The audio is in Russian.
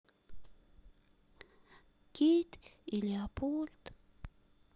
кейт и леопольд